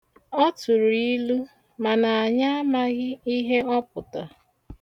Ọ tụrụ ilu, mana anyị amaghị ihe ọ pụtara.